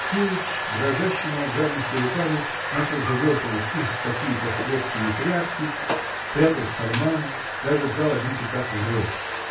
Силыч, дрожащими от жадности руками, начал завертывать их в какие-то хлопки и тряпки, прятал в карманы, даже взял один пятак в рот.